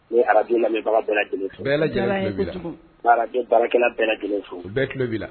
Ni arainina ne baara bɛɛ lajɛlen fo bɛɛ ala baaraki bɛɛ lajɛlen fo bɛɛlo bɛ la